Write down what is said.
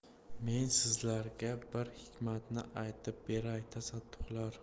men sizlarga bir hikmatni aytib beray tasadduqlar